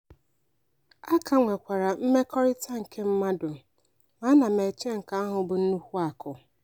A ka nwekwara mmekọrita nke mmadụ, ma ana m eche nke ahụ bụ nnukwu akụ.